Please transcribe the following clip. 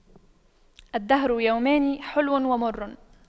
الدهر يومان حلو ومر